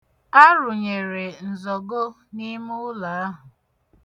Arụnyere nzọgo n'ime ụlọ ahụ.